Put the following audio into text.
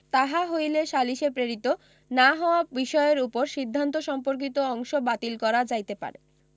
তাহা হইলে সালিসে প্রেরিত না হওয়া বিষয়ের উপর সিদ্ধান্ত সম্পর্কিত অংশ বাতিল করা যাইতে পারে